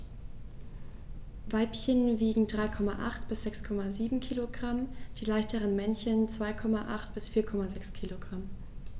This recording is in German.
Weibchen wiegen 3,8 bis 6,7 kg, die leichteren Männchen 2,8 bis 4,6 kg.